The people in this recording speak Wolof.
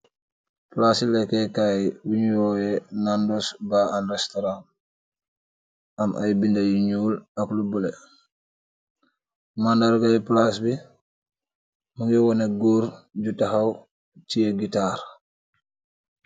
Palaci lekei kai bu nyu oyeh ndandus bar and restaurant aam ay benda benda yu nuul ak lu bulo mandarga palac bi mogi woneh goor yu taxaw teyeh gitarr.